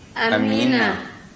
amiina